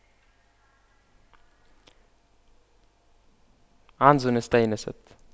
عنز استتيست